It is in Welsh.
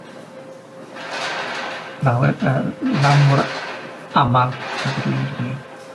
lawer yy lawn mor amal a dydw i wedi gwneud.